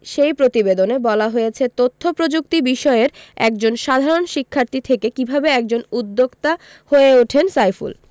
সেই প্রতিবেদনে বলা হয়েছে তথ্যপ্রযুক্তি বিষয়ের একজন সাধারণ শিক্ষার্থী থেকে কীভাবে একজন উদ্যোক্তা হয়ে ওঠেন সাইফুল